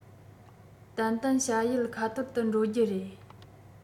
ཏན ཏན བྱ ཡུལ ཁ ཐོར དུ འགྲོ རྒྱུ རེད